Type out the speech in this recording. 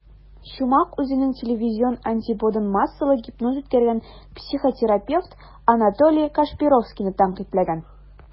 Чумак үзенең телевизион антиподын - массалы гипноз үткәргән психотерапевт Анатолий Кашпировскийны тәнкыйтьләгән.